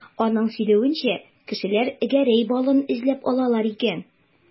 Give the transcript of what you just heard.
Аның сөйләвенчә, кешеләр Гәрәй балын эзләп алалар икән.